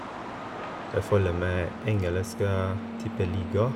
Jeg følger med engelsk tippeliga.